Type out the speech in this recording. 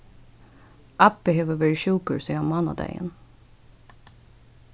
abbi hevur verið sjúkur síðan mánadagin